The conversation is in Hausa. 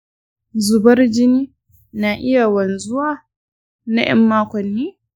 zubar jini na iya wanzuwa na ƴan makonni